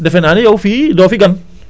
dezfe naa ne yow fii doo fi gan